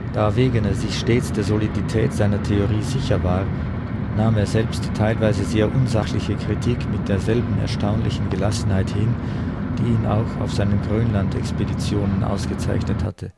Da Wegener sich stets der Solidität seiner Theorie sicher war, nahm er selbst die teilweise sehr unsachliche Kritik mit derselben erstaunlichen Gelassenheit hin, die ihn auch auf seinen Grönlandexpeditionen ausgezeichnet hatte